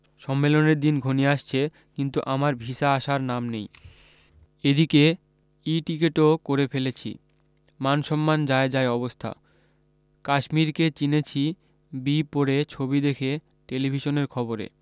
সম্মেলনের দিন ঘনিয়ে আসছে কিন্তু আমার ভিসা আসার নাম নেই এদিকে ইটিকিটও করে ফেলেছি মানসম্মান যায় যায় অবস্থা কাশ্মীরকে চিনেছি বি পড়ে ছবি দেখে টেলিভিশনের খবরে